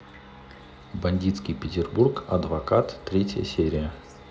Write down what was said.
бандитский петербург адвокат третья серия